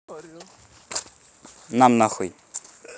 нам нахуй